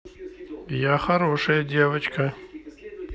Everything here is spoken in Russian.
я хорошая девочка